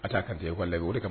A t'a kantigɛ wili ka b